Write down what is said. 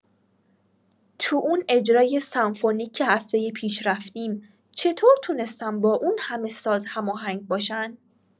تو اون اجرای سمفونیک که هفته پیش رفتیم، چطور تونستن با اون همه ساز هماهنگ باشن؟